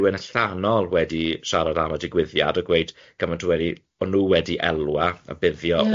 rywun allanol wedi siarad am y digwyddiad a gweud cymaint o wedi- o'n nhw wedi elwa a buddio o'r